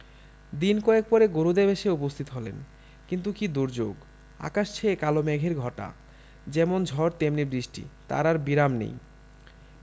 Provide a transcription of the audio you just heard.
দিন কয়েক পরে গুরুদেব এসে উপস্থিত হলেন কিন্তু কি দুর্যোগ আকাশ ছেয়ে কালো মেঘের ঘটা যেমন ঝড় তেমনি বৃষ্টি তার আর বিরাম নেই